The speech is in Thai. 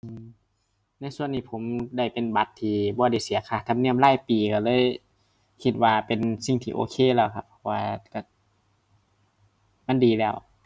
ในส่วนนี้ผมได้เป็นบัตรที่บ่ได้เสียค่าธรรมเนียมรายปี ก็เลยคิดว่าเป็นสิ่งที่โอเคแล้วครับ เพราะว่า ก็ มันดีแล้ว